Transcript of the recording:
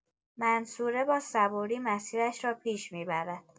منصوره با صبوری مسیرش را پیش می‌برد.